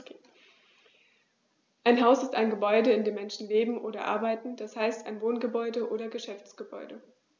Ein Haus ist ein Gebäude, in dem Menschen leben oder arbeiten, d. h. ein Wohngebäude oder Geschäftsgebäude.